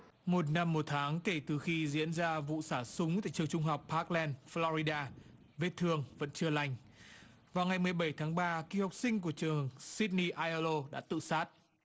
một năm một tháng kể từ khi diễn ra vụ xả súng tại trường trung học bác len phờ lo ri đa vết thương vẫn chưa lành vào ngày mười bảy tháng ba cựu học sinh của trường xít ni ai ơ lô đã tự sát